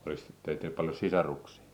olikos - teillä paljon sisaruksia